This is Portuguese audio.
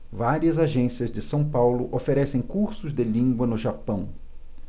várias agências de são paulo oferecem cursos de língua no japão